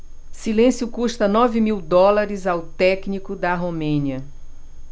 silêncio custa nove mil dólares ao técnico da romênia